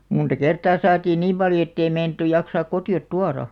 monta kertaa saatiin niin paljon että ei meinattu jaksaa kotiin tuoda